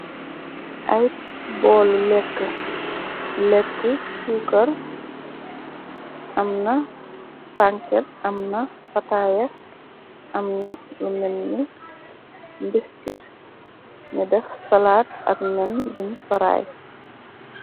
Ay boolu lekk lekk sucar amna panket amna fataaye amna lu menni biskit ni def salaat ak nen bung faraaye.